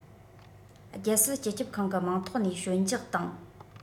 རྒྱལ སྲིད སྤྱི ཁྱབ ཁང གི མིང ཐོག ནས ཞོལ འཇགས བཏང